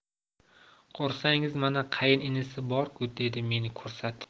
qo'rqsangiz mana qayin inisi bor ku dedi meni ko'rsatib